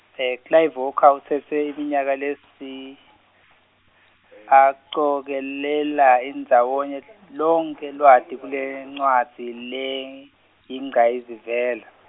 Clive Walker utsetse iminyaka lesi, acokelela ndzawonye lonkhe lwati kulencwadzi leyingcayizivela.